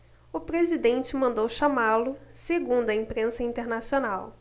o presidente mandou chamá-lo segundo a imprensa internacional